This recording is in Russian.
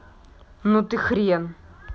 ну ты хрен